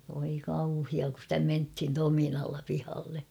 voi kauhea kun sitä mentiin tominalla pihalle